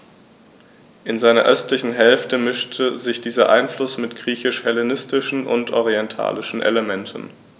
In seiner östlichen Hälfte mischte sich dieser Einfluss mit griechisch-hellenistischen und orientalischen Elementen.